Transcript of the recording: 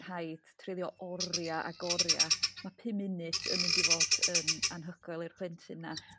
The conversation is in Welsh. rhaid treulio oria' ag oria'. Ma' pum munud yn mynd i fod yn anhygoel i'r plentyn 'na.